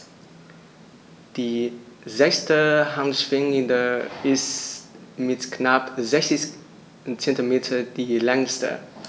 Die sechste Handschwinge ist mit knapp 60 cm die längste.